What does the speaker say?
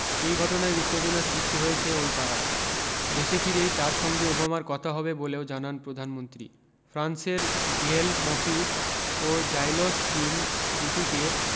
এই ঘটনায় উত্তেজনা সৃষ্টি হয়েছে ওই পাড়ায় দেশে ফিরেই তার সঙ্গে ওবামার কথা হবে বলেও জানান প্রধানমন্ত্রী ফ্রান্সের গেল মঁফিস ও জাইলস সিমঁ জুটিকে